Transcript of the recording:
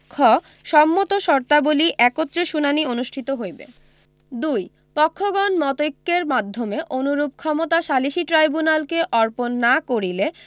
খ সম্মত শর্তাবলী একত্রে শুনানী অনুষ্ঠিত হইবে ২ পক্ষগণ মতৈক্যের মাধ্যমে অনুরূপ ক্ষমতা সালিসী ট্রাইব্যুনালকে অর্পণ না করিলে